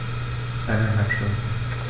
Eineinhalb Stunden